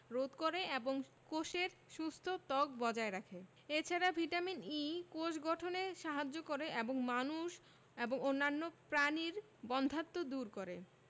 রোধ করে এবং কোষের সুস্থ ত্বক বজায় রাখে এ ছাড়া ভিটামিন E কোষ গঠনে সাহায্য করে এবং মানুষ এবং অন্যান্য প্রাণীর বন্ধ্যাত্ব দূর করে